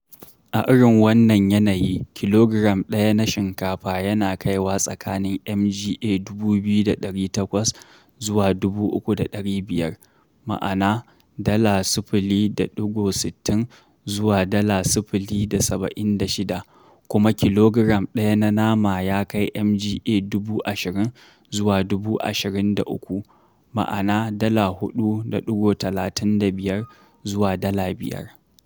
A irin wannan yanayi, kilogiram 1 na shinkafa yana kaiwa tsakanin MGA 2,800 zuwa 3,500 (USD 0.60 zuwa 0.76), kuma kilogiram 1 na nama ya kai MGA 20,000 zuwa 23,000 (USD 4.35 zuwa 5).